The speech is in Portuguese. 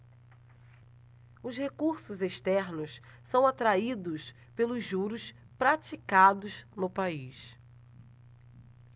os recursos externos são atraídos pelos juros praticados no país